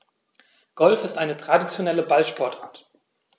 Golf ist eine traditionelle Ballsportart.